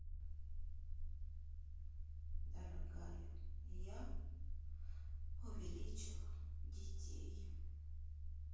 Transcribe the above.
дорогая я увеличил детей